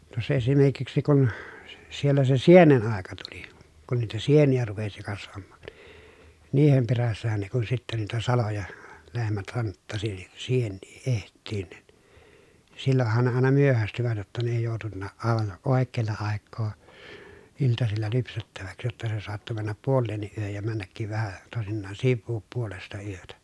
tuossa esimerkiksi kun - siellä se sienen aika tuli kun niitä sieniä rupesi kasvamaan niiden perässähän ne kun sitten niitä saloja lehmät hanttasi niin sieniä etsimään niin silloinhan ne aina myöhästyivät jotta ne ei joutunutkaan aivan oikealla aikaa iltasilla lypsettäväksi jotta se saattoi mennä puoleenkin yöhön ja mennäkin vähän toisinaan sivuun puolesta yötä